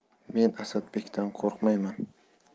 men asadbekdan qo'rqmayman